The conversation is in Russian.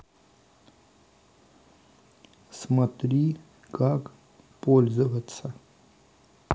смотри как пользоваться